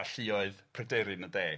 A lluoedd Pryderi'n y de.